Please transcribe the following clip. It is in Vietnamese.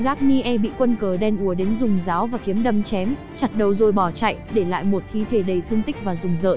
garnier bị quân cờ đen ùa đến dùng giáo và kiếm đâm chém chặt đầu rồi bỏ chạy để lại một thi thể đầy thương tích và rùng rợn